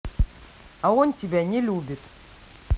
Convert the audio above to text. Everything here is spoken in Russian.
а он тебя не любит